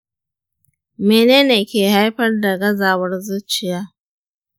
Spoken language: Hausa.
menene ke haifar da gazawar zuciya?